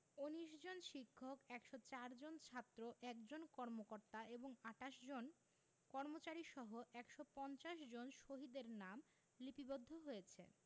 ১৯ জন শিক্ষক ১০৪ জন ছাত্র ১ জন কর্মকর্তা এবং ২৮ জন কর্মচারীসহ ১৫০ জন শহীদের নাম লিপিবদ্ধ হয়েছে